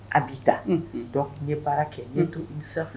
A bɛ taa dɔ ye baara kɛ ne to